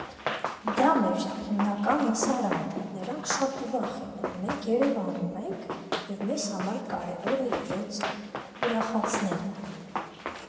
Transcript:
Դա մեր հիմնական լսարանն է, նրանք շատ ուրախ են, որ մենք Երևանում ենք, և մեզ համար կարևոր է իրենց ուրախացնելը։